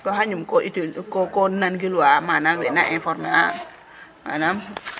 So xaƴnum ko utiliser a we na informer manaam,